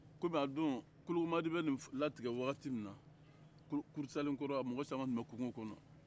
kɔmi a don kologomadi bɛ nin latigɛ wagati min na kurusalen kɔnɔ a mɔgɔ caman tun bɛ kungo kɔnɔ